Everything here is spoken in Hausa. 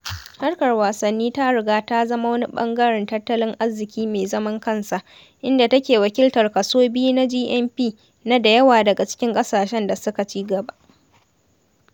Harkar wasanni ta riga ta zama wani ɓangaren tattalin arziki mai zaman kansa, inda take wakiltar kaso 2% na GNP na da yawa daga cikin ƙasashen da suka ci gaba.